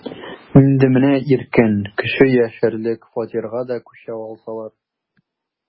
Инде менә иркен, кеше яшәрлек фатирга да күчә алсалар...